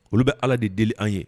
Olu bɛ ala de deli an ye